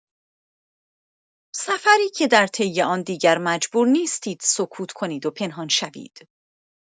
سفری که در طی آن دیگر مجبور نیستید سکوت کنید و پنهان شوید.